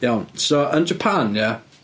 Iawn, so yn Japan ia...